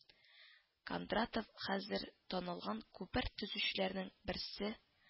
Кондратов хәзер танылган күпер төзүчеләрнең берсе